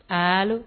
Alllo